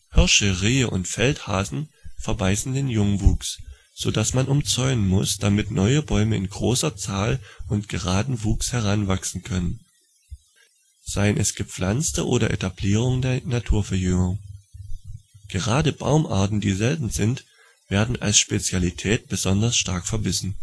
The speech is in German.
Hirsche, Rehe und Feldhasen verbeißen den Jungwuchs, so dass man umzäunen muss, damit neue Bäume in großer Zahl und geradem Wuchs heranwachsen können (seien es gepflanzte oder die Etablierung der Naturverjüngung). Gerade Baumarten, die selten sind, werden als " Spezialität " besonders stark verbissen